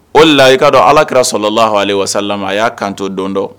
O de la i kaa don alakira sɔrɔla laha ale wasala a y'a kanto don dɔ